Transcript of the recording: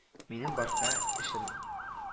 — минем башка эшем